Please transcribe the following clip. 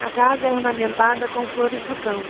a casa é ornamentada com flores do campo